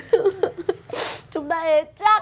hự hự hự chúng ta ế chắc